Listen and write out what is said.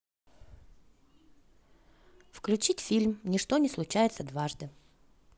включить фильм ничто не случается дважды